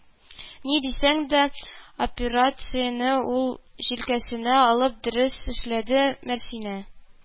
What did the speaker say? Ни дисәң дә, операңияне үз җилкәсенә алып дөрес эшләде Мәрсинә